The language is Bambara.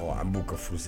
Ɔ an b'u ka furu